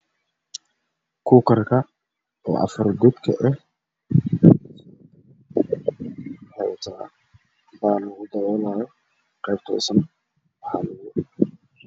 Waa kuukarka oo afar godka ah qeybta hoose wax ayaa lugu ritaa.